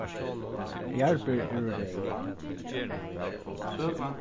jarðber eru reyð